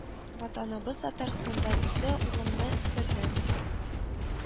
Ватаныбыз Татарстанда ике улымны үстердем